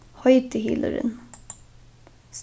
heiti hylurin